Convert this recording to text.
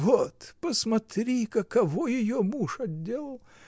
— Вот посмотри, каково ее муж отделал!